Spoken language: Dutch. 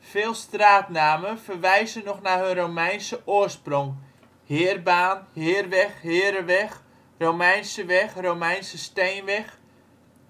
Veel straatnamen verwijzen nog naar hun Romeinse oorsprong: Heerbaan Heirbaan Heerweg Heereweg Heirweg Romeinse weg Romeinse steenweg